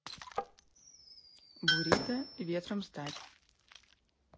burito ветром стать